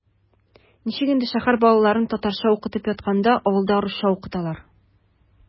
Ничек инде шәһәр балаларын татарча укытып ятканда авылда русча укыталар?!